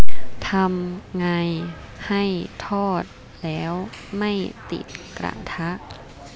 ทำไงให้ทอดแล้วไม่ติดกระทะ